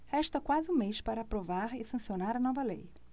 resta quase um mês para aprovar e sancionar a nova lei